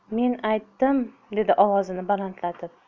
men aytdim dedi ovozini balandlatib